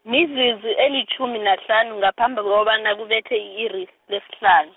mizuzu elitjhumi nahlanu ngaphambi kobana kubethe i-iri, lesihlanu.